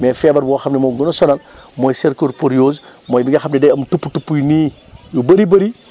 mais feebar boo xam ne moo ko gën a sonal mooy cercosporiose mooy bi nga xam ne day am tupp-tupp yi nii yu bëri bëri